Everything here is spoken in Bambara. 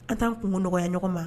An t'an kunko nɔgɔya ɲɔgɔn ma!